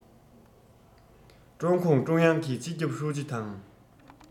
ཀྲུང གུང ཀྲུང དབྱང གི སྤྱི ཁྱབ ཧྲུའུ ཅི དང